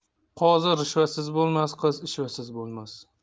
qozi rishvasiz bo'lmas qiz ishvasiz bo'lmas